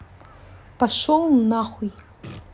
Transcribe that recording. пошел на хуй